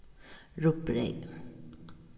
rugbreyð